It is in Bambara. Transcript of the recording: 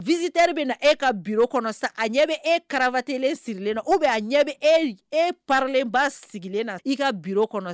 Visiteur bɛ na e ka bureau kɔnɔ sa, a ɲɛ bɛ e cravater len sirilenna ou bien a ɲɛ bɛ e e parilen ba sigilen na i ka bureau kɔnɔ